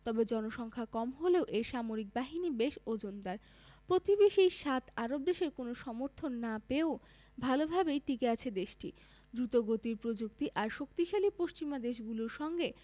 তবে জনসংখ্যা কম হলেও এর সামরিক বাহিনী বেশ ওজনদার প্রতিবেশী সাত আরব দেশের কোনো সমর্থন না পেয়েও ভালোভাবেই টিকে আছে দেশটি দ্রুতগতির প্রযুক্তি আর শক্তিশালী পশ্চিমা দেশগুলোর সঙ্গে